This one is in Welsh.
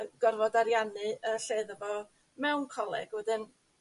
Yn gorfod ariannu y lle iddo fo mewn coleg wedyn